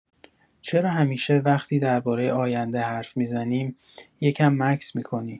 چرا همیشه وقتی درباره آینده حرف می‌زنیم، یه کم مکث می‌کنی؟